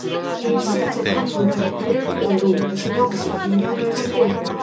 일 심 재판부는 이를 토대로 징역 십 이 년을 선고했다